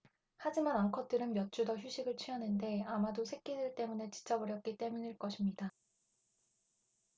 하지만 암컷들은 몇 주 더 휴식을 취하는데 아마도 새끼들 때문에 지쳐 버렸기 때문일 것입니다